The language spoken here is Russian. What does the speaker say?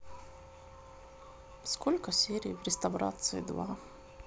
сколько серий в реставрации два